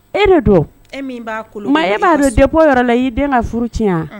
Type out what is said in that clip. E de don . E min ba kolo Maa e ba dɔn depuis o yɔrɔ la i yi den ka furu tiɲɛ an?.